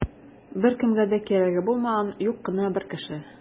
Беркемгә дә кирәге булмаган юк кына бер кеше.